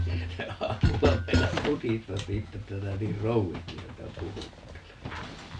se aamulla meinasi mutista siitä että sinä niin krouvisti häntä puhuttelet